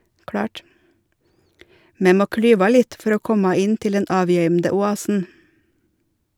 Me må klyva litt for å komma inn til den avgøymde oasen.